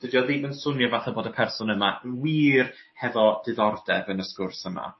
Dydi o ddim yn swnio fatha bod y person yma wir hefo diddordeb yn y sgwrs yma.